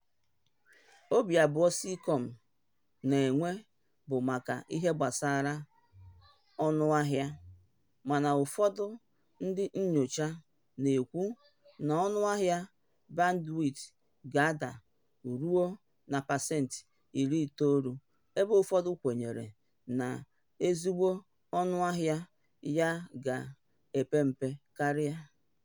Obi abụọ Seacom na-enwe bụ maka ihe gbasara ọnụahịa: mana ụfọdụ ndị nnyocha na-ekwu na ọnụahịa Bandwit ga-ada ruo na pasenti 90, ebe ụfọdụ kwenyere na ezigbo ọnụahịa ya ga-epe mpe karị.